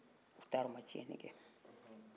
u taara u ma ciɲɛnin kɛ